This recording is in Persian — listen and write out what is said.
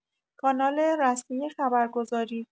کانال رسمی خبرگزاری